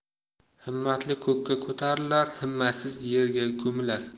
himmatli ko'kka ko'tarilar himmatsiz yeiga ko'milar